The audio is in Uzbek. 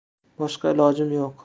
boshqa ilojim yo'q